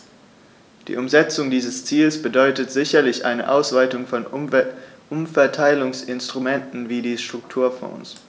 Die Umsetzung dieses Ziels bedeutet sicherlich eine Ausweitung von Umverteilungsinstrumenten wie die Strukturfonds.